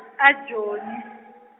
aJoni.